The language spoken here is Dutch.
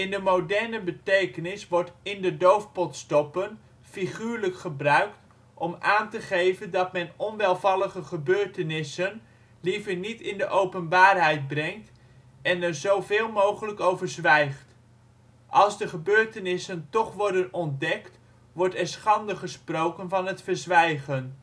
de moderne betekenis wordt " in de doofpot stoppen " figuurlijk gebruikt, om aan te geven dat men onwelvallige gebeurtenissen liever niet in de openbaarheid brengt en er zoveel mogelijk over zwijgt. Als de gebeurtenissen toch worden ontdekt, wordt er schande gesproken van het verzwijgen